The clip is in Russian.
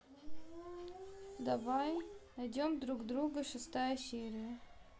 давай найдем друг друга шестая серия